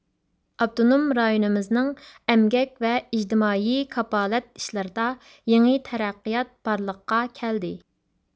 ئاپتونوم رايونىمىزنىڭ ئەمگەك ۋە ئىجتىمائىي كاپالەت ئىشلىرىدا يېڭى تەرەققىيات بارلىققا كەلدى